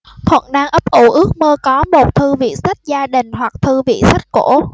thuận đang ấp ủ ước mơ có một thư viện sách gia đình hoặc thư viện sách cổ